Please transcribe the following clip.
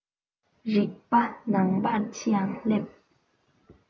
རིག པ ནང པར འཆི ཡང བསླབ